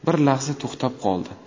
bir lahza to'xtab qoldi